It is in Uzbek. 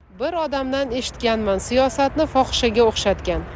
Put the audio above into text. bir odamdan eshitganman siyosatni fohishaga o'xshatgan